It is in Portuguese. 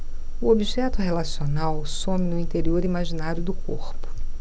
o objeto relacional some no interior imaginário do corpo